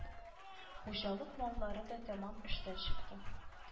Хуҗалык маллары да тәмам эштән чыкты